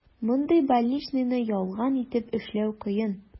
Мондый больничныйны ялган итеп эшләү кыен.